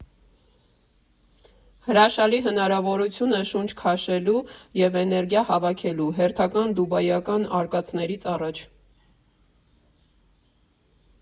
Հրաշալի հնարավորություն է շունչ քաշելու և էներգիա հավաքելու՝ հերթական դուբայական արկածներից առաջ։